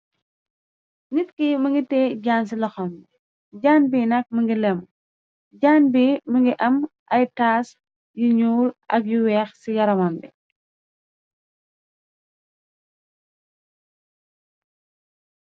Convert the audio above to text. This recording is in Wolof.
Niit ki mëngi tiye jaan ci loxom bi, jann bi nak mëngi lemu, jann bi mëngi am ay taas yu ñuul ak yu weex ci yaramam bi.